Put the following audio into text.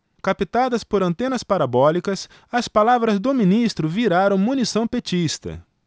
captadas por antenas parabólicas as palavras do ministro viraram munição petista